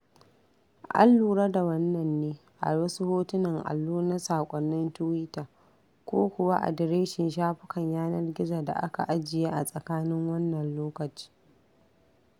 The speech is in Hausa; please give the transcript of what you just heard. An lura da wannan ne a wasu hotunan allo na saƙonnin tuwita ko kuwa adireshin shafukan yanar gizo da aka ajiye a tsakanin wannan lokacin.